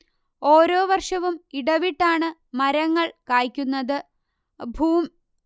ഓരോ വർഷവും ഇടവിട്ടാണ് മരങ്ങൾ കായ്ക്കുന്നത്